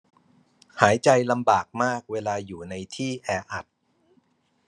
หายใจลำบากมากเวลาอยู่ในที่แออัด